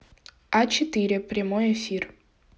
а четыре прямой эфир